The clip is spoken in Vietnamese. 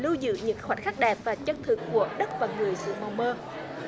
lưu giữ những khoảnh khắc đẹp và chất thực của đất và người xứ mộng mơ